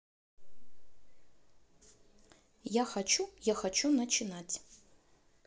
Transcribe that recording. я хочу я хочу начинать